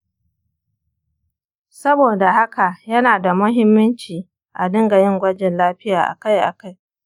saboda haka, yana da muhimmanci a dinga yin gwajin lafiya akai-akai.